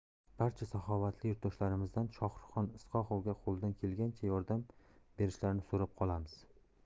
barcha saxovatli yurtdoshlarimizdan shohruxxon isoqovga qo'lidan kelgancha yordam berishlarini so'rab qolamiz